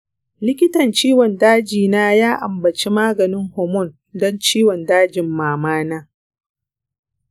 likitan ciwon daji na ya ambaci maganin hormone don ciwon dajin mama na.